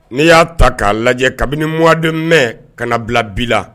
Ne y'a ta k'a lajɛ kabini md mɛn kana na bila bi la